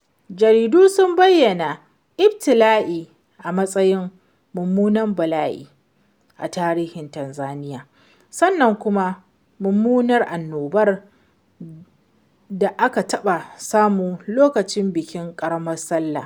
Jaridu sun bayyana ibtila'in a 'matsayin mummunan ibti'la'I a tarihin Tanzania' sannan kuma mummunar annobar da aka taɓa samu a lokacin bikin Ƙaramar Sallah''